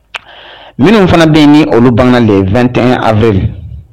Minnu fana bɛ ni olu bagan le2tɛn av